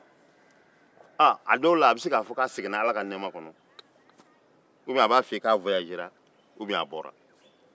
a dɔw la a bɛ se k'a fɔ i ye k'a seginna ala ka nɛɛma kɔnɔ walima a taara dugu la walima a bɔra